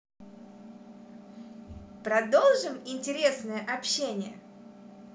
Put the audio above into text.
продолжим интересное общение